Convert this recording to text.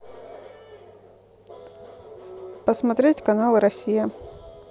посмотреть канал россия